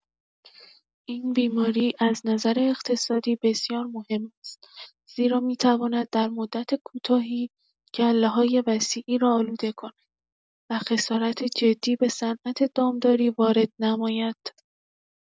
این بیماری از نظر اقتصادی بسیار مهم است زیرا می‌تواند در مدت کوتاهی گله‌های وسیعی را آلوده کند و خسارت جدی به صنعت دامداری وارد نماید.